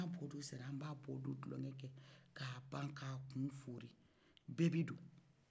n'a bɔdo sela an b'a bɔ dɔ kulɔgɛ k'a ban k'a kun fɔri